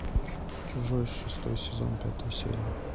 чужой шестой сезон пятая серия